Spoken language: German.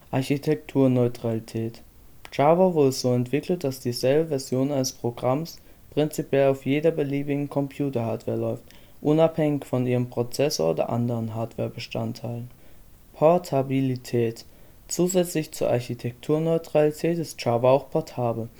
Architekturneutralität Java wurde so entwickelt, dass dieselbe Version eines Programms prinzipiell auf jeder beliebigen Computerhardware läuft, unabhängig von ihrem Prozessor oder anderen Hardwarebestandteilen. Portabilität Zusätzlich zur Architekturneutralität ist Java auch portabel